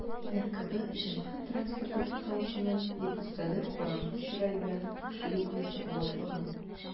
"ркб җәмәгать транспорты тукталышыннан", - дип өстәде караңгы чырай белән тикшерү комитеты башлыгы.